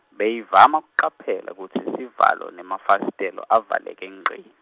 Beyivama kucaphela kutsi sivalo nemafasitelo avaleke ngci.